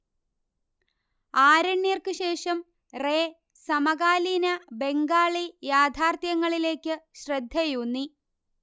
ആരണ്യർക്ക് ശേഷം റേ സമകാലീന ബംഗാളി യാഥാർത്ഥ്യങ്ങളിലേയ്ക്ക് ശ്രദ്ധയൂന്നി